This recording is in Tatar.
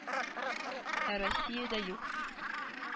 Ә Россиядә юк.